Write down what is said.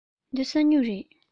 འདི ས སྨྱུག རེད